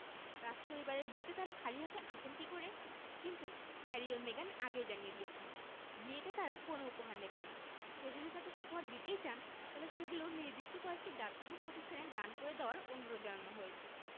রাজপরিবারের বিয়েতে তাঁরা খালি হাতে আসেন কী করে কিন্তু হ্যারি ও মেগান আগেই জানিয়ে দিয়েছেন বিয়েতে তাঁরা কোনো উপহার নেবেন না কেউ যদি তাঁদের উপহার দিতেই চান তাহলে সেগুলো নির্দিষ্ট কয়েকটি দাতব্য প্রতিষ্ঠানে দান করে দেওয়ার অনুরোধ জানানো হয়েছে